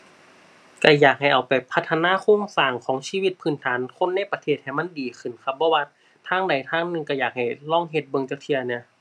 ก็อยากให้เอาไปพัฒนาโครงสร้างของชีวิตพื้นฐานของคนในประเทศให้มันดีขึ้นครับ บ่ว่าทางใดทางหนึ่งก็อยากให้ลองเฮ็ดเบิ่งจักเทื่อแหน่